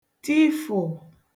tifụ̀